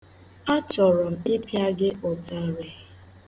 A chọrọ m ịpịa gị ụtarị.